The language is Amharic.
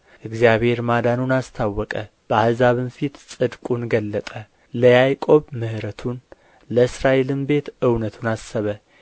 እግዚአብሔር ማዳኑን አስታወቀ በአሕዛብም ፊት ጽድቁን ገለጠ ለያዕቆብ ምሕረቱን ለእስራኤልም ቤት እውነቱን አሰበ